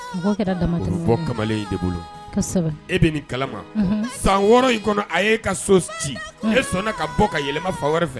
Kamalen de bolo e bɛ kala san wɔɔrɔ in kɔnɔ a ka so ci sɔnna ka bɔ ka yɛlɛma fa wɛrɛ fɛ